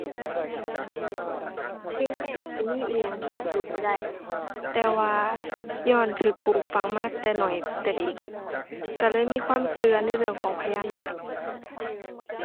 ถึงแม้สิมีอิหยังที่พิสูจน์บ่ได้ แต่ว่าญ้อนถูกปลูกฝังมาแต่น้อยแต่เด็ก ถูกเลยมีความถูกในเรื่องของพญานาค